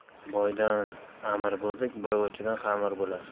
boydan amr bo'lsa boyvachchadan xamir bo'lar